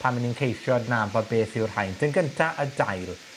pan 'yn ni'n ceisio adnabod beth yw'r haint. Yn gynta, y dail.